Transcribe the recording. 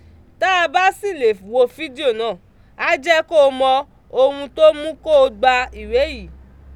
Tá a bá sì lè wo fídíò náà, á jẹ́ kó o mọ ohun tó mú kó o gba ìwé yìí.